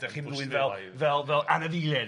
'dach chi'n 'ddwyn fel fel fel anafiliaid.